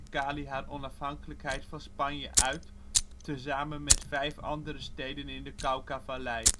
Cali haar onafhankelijkheid van Spanje uit, tezamen met vijf andere steden in de Caucavallei